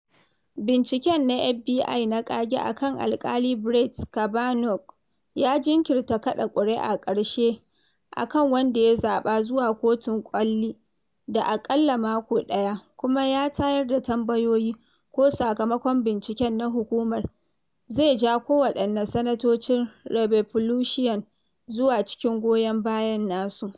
Binciken na FBI na ƙage a kan Alƙali Brett Kavanaugh ya jinkirta kaɗa ƙuri'a ƙarshen a kan wanda ya zaɓa zuwa Kotun ƙoli da aƙalla mako ɗaya, kuma ya tayar da tambayoyi ko sakamakon binciken na hukumar zai ja kowaɗanne sanatocin Republican zuwa cikin goyon bayan nasu.